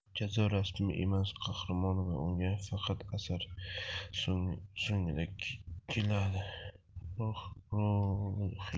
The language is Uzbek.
jazo rasmiy emas qahramon unga faqat asar so'ngida keladi ruhiy